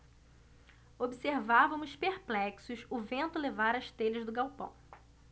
observávamos perplexos o vento levar as telhas do galpão